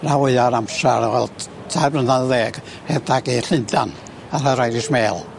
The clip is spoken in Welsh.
rhanfwya'r amsar wel t- tair blynadd ar ddeg rhedag i Llundan ar yr Irish Mail.